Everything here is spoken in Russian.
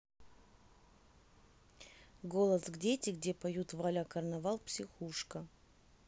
голос дети где поют валя карнавал психушка